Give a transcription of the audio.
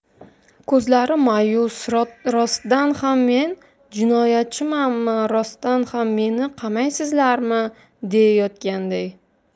ko'zlari ma'yus rostdan ham men jinoyatchimanmi rostdan ham meni qamaysizlarmi deyayotganday